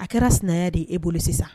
A kɛra sinaya di e bolo sisan